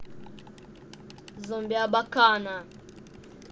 zombie абакана